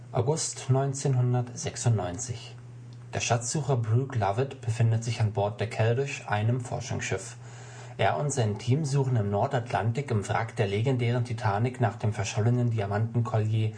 August 1996: Der Schatzsucher Brock Lovett befindet sich an Bord der Keldysh, einem Forschungsschiff. Er und sein Team suchen im Nordatlantik im Wrack der legendären Titanic nach dem verschollenen Diamanten-Collier